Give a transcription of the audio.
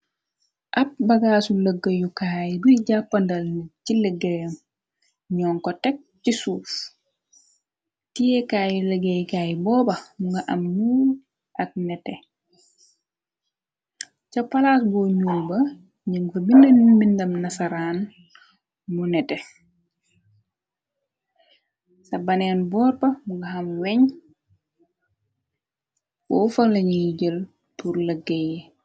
Ab bagaasu lëggeyukaay luy jàppandal nit ci lëggéya, ñoon ko tekk ci suuf, tiyeekaayu lëggéeykaay booba mu nga am nuul ak nete. Ca palaas bu ñuul ba ñëng fa bina bindam nasaraan mu nete, sa baneen booppa mu nga am weñ , boo fa lañuy jël pur lëggéeyi.